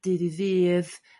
dydd i ddydd